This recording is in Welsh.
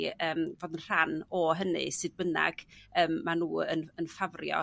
i yym fod yn rhan o hynny sut bynnag yy ma' n'w yn yn ffafrio